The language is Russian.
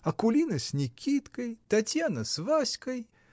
Акулина с Никиткой, Танька с Васькой.